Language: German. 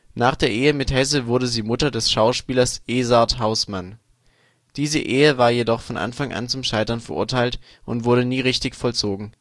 nach der Ehe mit Hesse wurde sie Mutter des Schauspielers Ezard Haußmann). Diese Ehe war jedoch von Anfang an zum Scheitern verurteilt und wurde nie richtig vollzogen